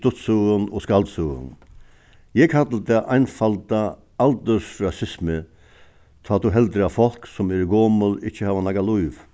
stuttsøgum og skaldsøgum eg kalli tað einfalda aldursrasismu tá tú heldur at fólk sum eru gomul ikki hava nakað lív